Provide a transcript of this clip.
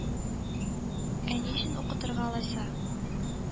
Ә ни өчен укытырга алайса